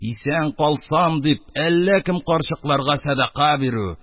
Исән калсам дип, әллә кем карчыкларга садака бирү,